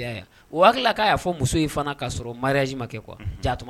K'a'a fɔ muso fanaji ma kɛ